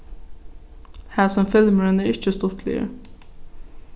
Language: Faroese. hasin filmurin er ikki stuttligur